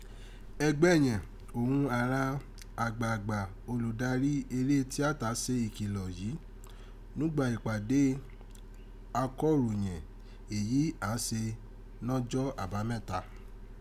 Ẹgbẹ yẹ̀n òghun àghan àgbà àgbà olúdarí eré tíatà se ìkìlọ̀ yii nùghà ipàdé akọroyẹ̀n èyí àghan ṣe nọjọ́ Abamẹta.